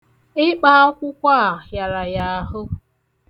Ịkpa akwụkwọ a hịara ya ahụ.